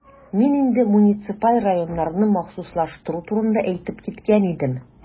Мин инде муниципаль районнарны махсуслаштыру турында әйтеп киткән идем.